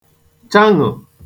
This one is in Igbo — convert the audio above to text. chaṅụ̀